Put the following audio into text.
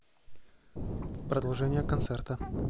продолжение концерта